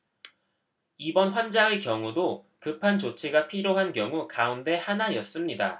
이번 환자의 경우도 급한 조치가 필요한 경우 가운데 하나였습니다